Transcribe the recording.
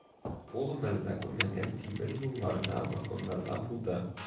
Ул гомерендә күрмәгән тимер юлларда, вагоннарда булды